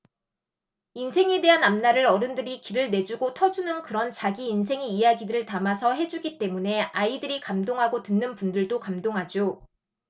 인생에 대한 앞날을 어른들이 길을 내주고 터주는 그런 자기 인생의 이야기들을 담아서 해주기 때문에 아이들이 감동하고 듣는 분들도 감동하죠